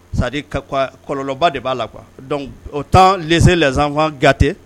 Sadi ka kɔlɔlɔnba de b'a la qu o tan le sanfa gatɛ